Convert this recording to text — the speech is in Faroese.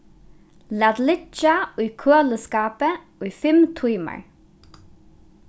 lat liggja í køliskápi í fimm tímar